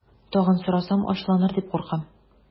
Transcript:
Тагын сорасам, ачуланыр дип куркам.